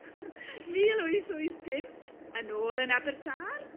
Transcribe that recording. mil wyth wyth pump, yn ôl yn Aberdâr,